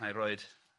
Nâi roid